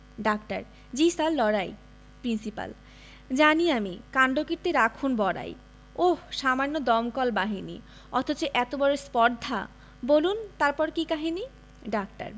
doctor জ্বী sir লড়াই principal জানি আমি কাণ্ডকীর্তি রাখুন বড়াই ওহ্ সামান্য দমকল বাহিনী অথচ এত বড় স্পর্ধা বুলন তারপর কি কাহিনী ডাক্তার